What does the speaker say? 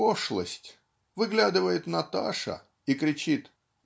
пошлость, выглядывает Наташа, и кричит